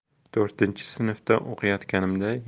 to'rtinchi sinfda o'qiyotganimda